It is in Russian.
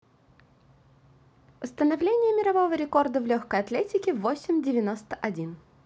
установление мирового рекорда в легкой атлетике восемь девяносто один